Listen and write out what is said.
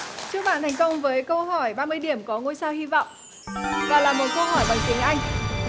chúc bạn thành công với câu hỏi ba mươi điểm có ngôi sao hy vọng và là một câu hỏi bằng tiếng anh